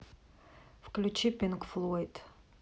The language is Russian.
включи пинк флойд